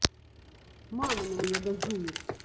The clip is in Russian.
мама на меня газует